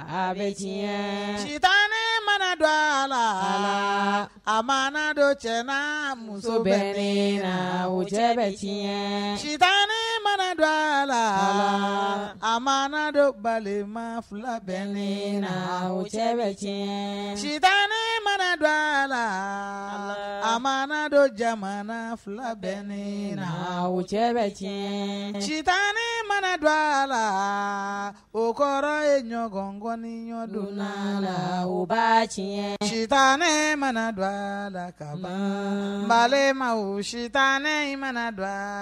A bɛ cita mana don a la a ma dɔ cɛ muso bɛ ne la wo cɛ bɛ tiɲɛɲɛ cita mana don a la a ma dɔ balima fila bɛ ne na wo cɛ bɛ cɛ ci mana don a la a ma don jamana fila bɛ ne na o cɛ bɛ tiɲɛ ci tan ne mana don a la o kɔrɔ ye ɲɔgɔnkɔni ɲɔdon la la ba tiɲɛ cita ne mana don a la ka balima wo sita ne in mana don